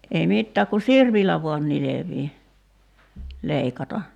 ei mitään kun sirpillä vain nilvii leikata